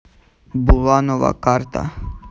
буланова карта